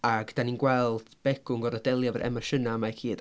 Ac dan ni'n gweld Begw'n gorfod delio efo'r emosiynau 'ma i gyd.